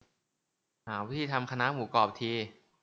หาวิธีทำคะน้าหมูกรอบที